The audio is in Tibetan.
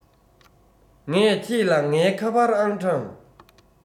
ངས ཁྱེད ལ ངའི ཁ པར ཨང གྲངས